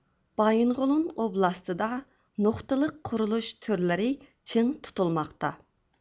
بايىنغولىن ئوبلاستىدا نۇقتىلىق قۇرۇلۇش تۈرلىرى چىڭ تۇتۇلماقتا